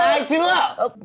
khai chưa